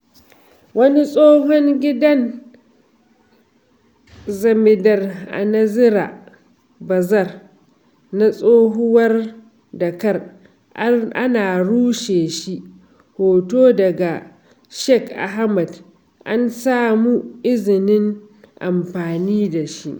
Wani tsohon gidan Zamidar a Nazira Bazar na tsohuwar Dhaka ana rushe shi. Hoto daga Shakil Ahmed. An samu izinin amfani da shi.